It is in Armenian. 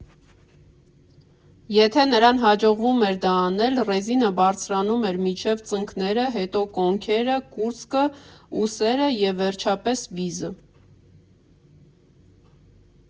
Եթե նրան հաջողվում էր դա անել, ռեզինը բարձրանում էր մինչև ծնկները, հետո՝ կոնքերը, կուրծքը, ուսերը և, վերջապես, վիզը։